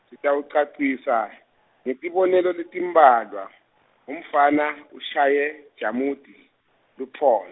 sitawucacisa ngetibonelo letimbalwa, Umfana, ushaye, Jamludi, luphon-.